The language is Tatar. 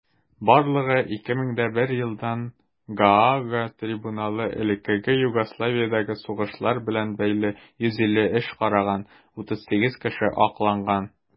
Барлыгы 2001 елдан Гаага трибуналы элеккеге Югославиядәге сугышлар белән бәйле 150 эш караган; 38 кеше акланган.